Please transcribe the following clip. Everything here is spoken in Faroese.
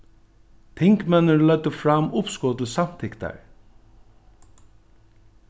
tingmenninir løgdu fram uppskot til samtyktar